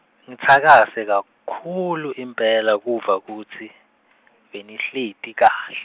ngitsakase kakhulu impela kuva kutsi , benihleti kahl-.